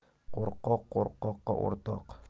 qo'rqoq qo'rqoqqa o'rtoq